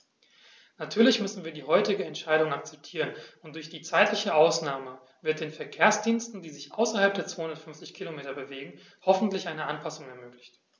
Natürlich müssen wir die heutige Entscheidung akzeptieren, und durch die zeitliche Ausnahme wird den Verkehrsdiensten, die sich außerhalb der 250 Kilometer bewegen, hoffentlich eine Anpassung ermöglicht.